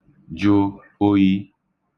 jụ ōyī